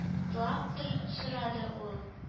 Лаптыр сорады ул: